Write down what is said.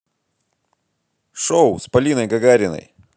шоу с полиной гагариной